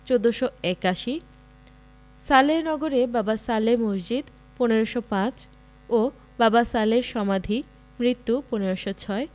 ১৪৮১ সালেহ নগরে বাবা সালেহ মসজিদ ১৫০৫ ও বাবা সালেহর সমাধি মৃত্যু ১৫০৬